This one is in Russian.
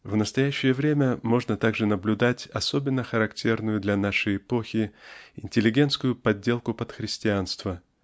В настоящее время можно также наблюдать особенно характерную для нашей эпохи интеллигентскую подделку под христианство